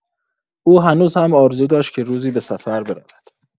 او هنوز هم آرزو داشت که روزی به سفر برود.